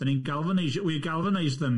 Dan ni'n galvanis- we galvanised them.